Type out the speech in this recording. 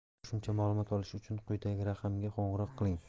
qo'shimcha ma'lumot olish uchun quyidagi raqamga qo'ng'iroq qiling